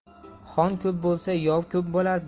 xon ko'p bo'lsa yov ko'p bo'lar